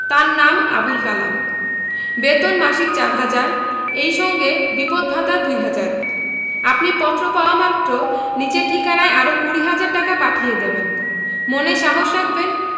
তার নাম আবুল কালাম বেতন মাসিক চার হাজার এই সঙ্গে বিপদ ভাতা দু'হাজার আপনি পত্র পাওয়ামাত্র নিচের ঠিকানায় আরো কুড়ি হাজার টাকা পাঠিয়ে দেবেন মনে সাহস রাখবেন